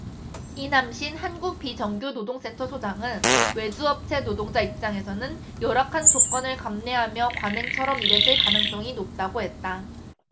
이남신 한국비정규노동센터 소장은 외주업체 노동자 입장에서는 열악한 조건을 감내하며 관행처럼 일했을 가능성이 높다고 했다